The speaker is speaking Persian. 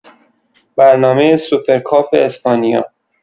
برنامه سوپرکاپ اسپانیا